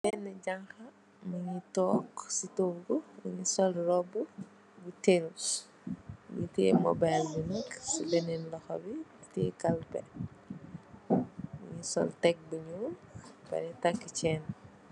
Benen jànghar, mungi toog ci toogu, mungi sol rob bu tèls. Mungi tè mobile bi nak ci lènen loho bi, tè kalpeh. Mungi sol tekk bu ñuul ba barè Takk chenn.